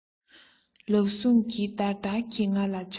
ལག ཟུང ཞིག འདར འདར གྱིས ང ལ ཕྱོགས བྱུང